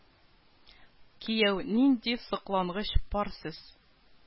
Кияү нинди соклангыч пар сез